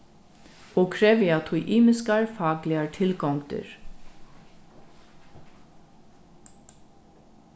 og krevja tí ymiskar fakligar tilgongdir